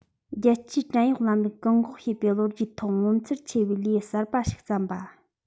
རྒྱལ སྤྱིའི བྲན གཡོག ལམ ལུགས བཀག འགོག བྱེད པའི ལོ རྒྱུས ཐོག ངོ མཚར ཆེ བའི ལེའུ གསར པ ཞིག བརྩམས པ